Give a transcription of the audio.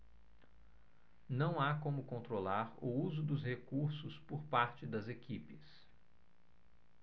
não há como controlar o uso dos recursos por parte das equipes